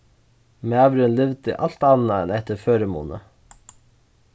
maðurin livdi alt annað enn eftir førimuni